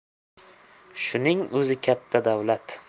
shuning o'zi katta davlat